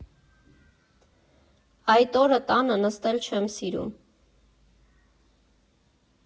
Այդ օրը տանը նստել չեմ սիրում.